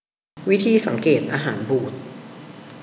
วิธีสังเกตอาหารบูด